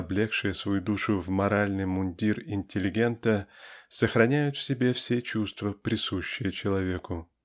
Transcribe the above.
облекшие свою душу в моральный мундир "интеллигента" сохраняют в себе все чувства присущие человеку.